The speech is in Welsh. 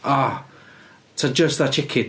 O, ta jyst fatha chicken.